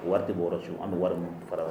Wari de b bɔra su an bɛ wari min fara